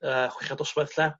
yy chwechad dosbarth e'lla.